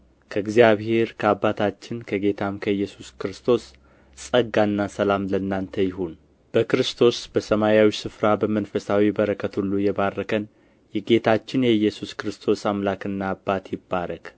ከእግዚአብሔር ከአባታችን ከጌታም ከኢየሱስ ክርስቶስ ጸጋና ሰላም ለእናንተ ይሁን በክርስቶስ በሰማያዊ ስፍራ በመንፈሳዊ በረከት ሁሉ የባረከን የጌታችን የኢየሱስ ክርስቶስ አምላክና አባት ይባረክ